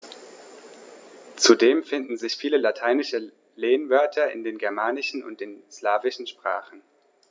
Zudem finden sich viele lateinische Lehnwörter in den germanischen und den slawischen Sprachen.